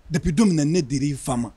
Dabi don minna na ne dira ii fa ma